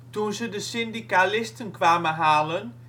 Toen ze de syndicalisten kwamen halen